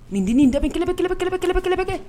Nin dennin da bɛ kɛlɛbɛ kɛlɛbɛ kɛlɛbɛ kɛlɛbɛ kɛlɛbɛ